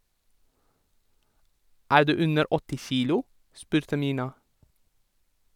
Er du under åtti kilo, spurte Myrna.